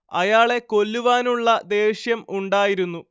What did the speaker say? അയാളെ കൊല്ലുവാൻ ഉള്ള ദേഷ്യം ഉണ്ടായിരുന്നു